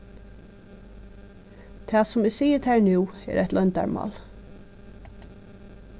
tað sum eg sigi tær nú er eitt loyndarmál